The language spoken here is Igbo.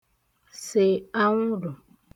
sè anwụ̀rụ̀